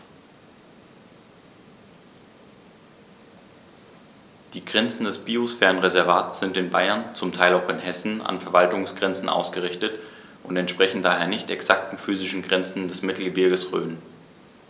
Die Grenzen des Biosphärenreservates sind in Bayern, zum Teil auch in Hessen, an Verwaltungsgrenzen ausgerichtet und entsprechen daher nicht exakten physischen Grenzen des Mittelgebirges Rhön.